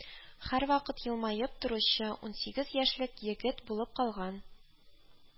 Һәрвакыт елмаеп торучы унсигез яшьлек егет булып калган